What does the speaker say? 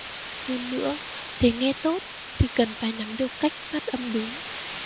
hơn nữa để nghe tốt thì cần phải nắm được cách phát âm đúng